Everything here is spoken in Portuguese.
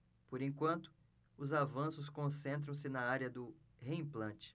por enquanto os avanços concentram-se na área do reimplante